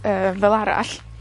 yy fel arall.